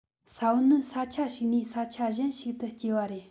ས བོན ནི ས ཆ ཞིག ནས ས ཆ གཞན ཞིག ཏུ བསྐྱེལ བ རེད